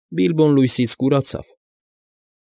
Բիլբոն լույսից կուրացավ։